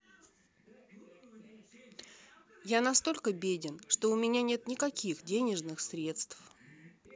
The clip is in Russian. я настолько беден что у меня нет никаких денежных средств